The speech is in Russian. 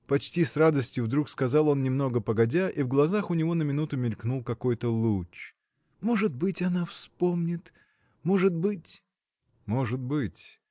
— почти с радостью вдруг сказал он немного погодя, и в глазах у него на минуту мелькнул какой-то луч. — Может быть, она вспомнит. может быть. — Может быть.